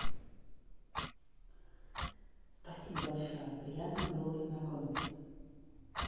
спасибо большое приятно было познакомиться